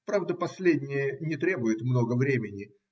(Правда, последнее не требует много времени